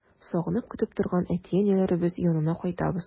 Сагынып көтеп торган әти-әниләребез янына кайтабыз.